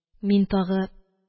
Мин тагы: